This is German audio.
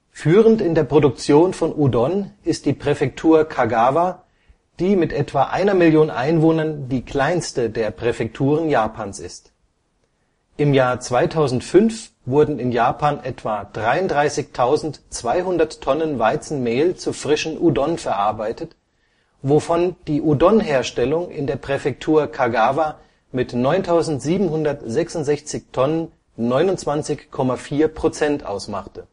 Führend in der Produktion von Udon ist die Präfektur Kagawa, die mit etwa einer Million Einwohnern die kleinste der Präfekturen Japans ist. Im Jahr 2005 wurden in Japan etwa 33.200 Tonnen Weizenmehl zu frischen Udon verarbeitet, wovon die Udon-Herstellung der Präfektur Kagawa mit 9766 Tonnen 29,4 % ausmachte